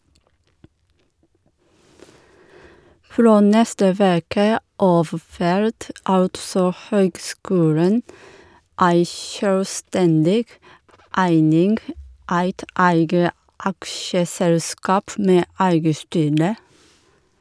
Frå neste veke av vert altså høgskulen ei sjølvstendig eining, eit eige aksjeselskap med eige styre.